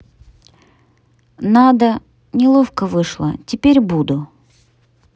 надо неловко вышло теперь буду